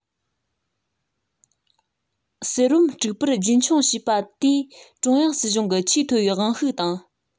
གསེར བུམ དཀྲུགས པར རྒྱུན འཁྱོངས བྱས པ དེས ཀྲུང དབྱང སྲིད གཞུང གི ཆེས མཐོ བའི དབང ཤུགས དང